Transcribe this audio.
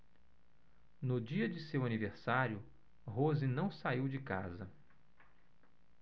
no dia de seu aniversário rose não saiu de casa